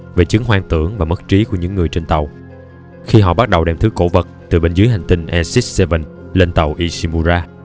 về chứng hoang tưởng và mất trí của những người trên tàu khi họ bắt đầu đem thứ cổ vật từ bên dưới hành tinh aegis vii lên tàu ishimura